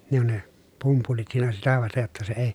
ne on ne pumpulit siinä sitä vasten jotta se ei